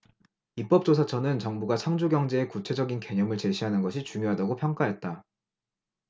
입법조사처는 정부가 창조경제의 구체적인 개념을 제시하는 것이 중요하다고 평가했다